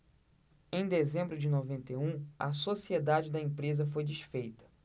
em dezembro de noventa e um a sociedade da empresa foi desfeita